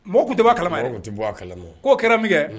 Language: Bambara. Mɔgɔ tun tɛba kalama tɛ bɔ kala k'o kɛra min kɛ